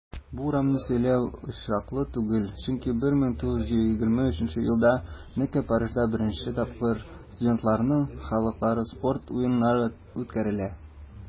Бу урынны сайлау очраклы түгел, чөнки 1923 елда нәкъ Парижда беренче тапкыр студентларның Халыкара спорт уеннары үткәрелә.